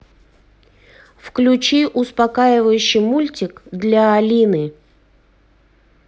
включи успокаивающий мультик для алины